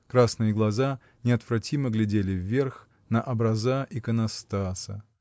красные глаза неотвратимо глядели вверх, на образа иконостаса